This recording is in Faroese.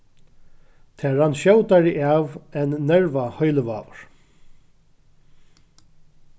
tað rann skjótari av enn nervaheilivágur